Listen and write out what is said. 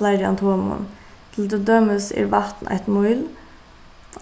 fleiri til dømis er vatn eitt mýl